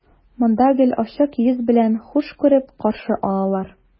Монда гел ачык йөз белән, хуш күреп каршы алалар.